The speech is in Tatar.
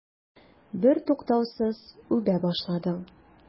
Бертуктаусыз үбә башладың.